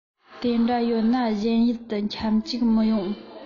དེ འདྲ ཡོད ན གཞན ཡུལ དུ ཁྱམས བཅུག མི ཡོང